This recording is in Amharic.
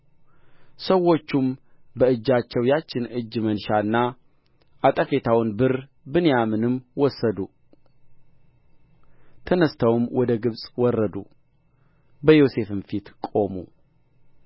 ሰዎቹም በእጃቸው ያችን እጅ መንሻና አጠፌታውን ብር ብንያምንም ወሰዱ ተነሥተውም ወደ ግብፅ ወረዱ በዮሴፍም ፊት ቆሙ